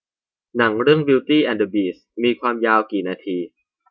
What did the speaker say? หนังเรื่องบิวตี้แอนด์เดอะบีสต์มีความยาวกี่นาที